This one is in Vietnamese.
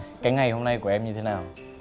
cái ngày hôm nay của em như thế nào